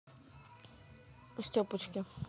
степочки